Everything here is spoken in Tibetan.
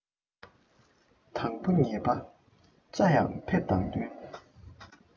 དང པོ ཉེས པ བཅའ ཡང ཕེབས དང བསྟུན